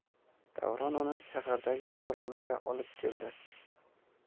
davron uni shahardagi kasalxonaga olib keldi